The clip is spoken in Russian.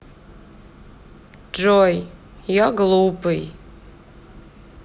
джой я глупый